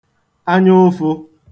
anyaụfū